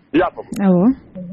I y'a ko un